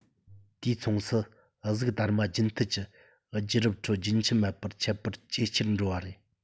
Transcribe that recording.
དུས མཚུངས སུ གཟུགས དར མ རྒྱུན མཐུད ཀྱི རྒྱུད རབས ཁྲོད རྒྱུན ཆད མེད པར ཁྱད པར ཇེ ཆེར འགྲོ བ རེད